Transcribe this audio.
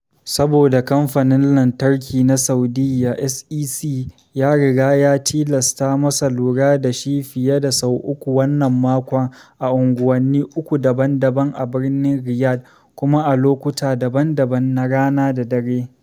Saboda Kamfanin Lantarki na Saudiyya (SEC) ya riga ya tilasta masa lura da shi fiye da sau uku wannan makon, a unguwanni uku daban-daban a birnin Riyadh, kuma a lokuta daban-daban na rana da dare.